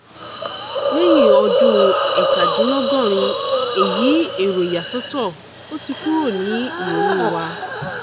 Lẹ́yìn ọdún 77, èyí [èrò ìyàsọ́tọ̀] ò tí ì kúrò ní ìrònúu wa.